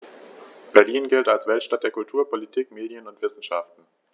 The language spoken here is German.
Berlin gilt als Weltstadt der Kultur, Politik, Medien und Wissenschaften.